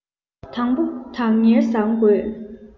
དང བོ བདག གཉེར བཟང དགོས